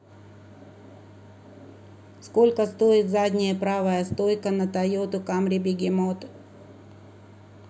сколько стоит заднее правое стойка на тойоту камри бегемот